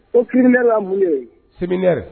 Ko wa mun de? séminaire